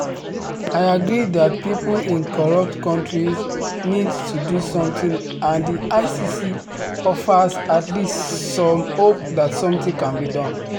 I agree that people in corrupt countries need to do something and the ICC offers at least some hope that something can be done.